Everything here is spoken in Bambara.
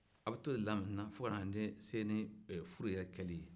aw bɛ t'o de la mɛntinan fo kana se ni furu yɛrɛ kɛli ye